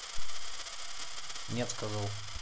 нет сказал